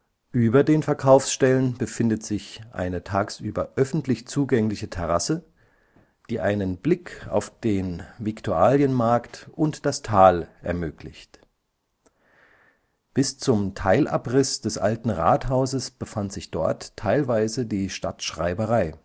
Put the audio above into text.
Über den Verkaufsstellen befindet sich eine tagsüber öffentlich zugängliche Terrasse, die einen Blick auf den Viktualienmarkt und das Tal ermöglicht. Bis zum Teilabriss des alten Rathauses befand sich dort teilweise die Stadtschreiberei